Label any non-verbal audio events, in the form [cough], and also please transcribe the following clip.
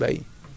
[hesitation] [hesitation]